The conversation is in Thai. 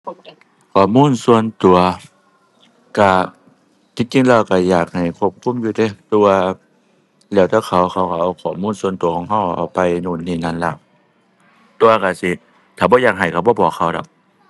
ข้อมูลส่วนตัว ก็จริงจริงแล้วก็อยากให้ควบคุมอยู่เดะหรือว่าแล้วแต่เขาเขาก็เอาข้อมูลส่วนตัวของก็เอาไปนู่นนี่นั่นแล้ว แต่ว่าก็สิถ้าบ่อยากให้ ก็บ่บอกเขาดอก